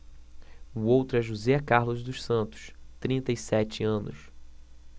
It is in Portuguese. o outro é josé carlos dos santos trinta e sete anos